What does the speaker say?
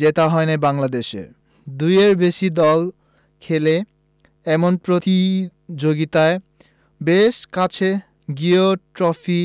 জেতা হয়নি বাংলাদেশের দুইয়ের বেশি দল খেলে এমন প্রতিযোগিতায় বেশ কাছে গিয়েও ট্রফি